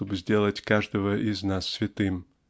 чтобы сделать каждого из нас святым.